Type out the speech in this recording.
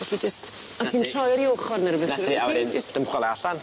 Felly jyst... Na ti. ...o' ti'n troi ar 'i ochor ne' rywbeth... 'Na ti a wedyn jyst dymchwel e allan.